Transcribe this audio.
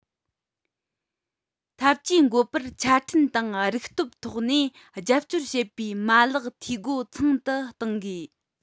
ཐབས ཇུས འགོད པར ཆ འཕྲིན དང རིག སྟོབས ཐོག ནས རྒྱབ སྐྱོར བྱེད པའི མ ལག འཐུས སྒོ ཚང དུ གཏོང དགོས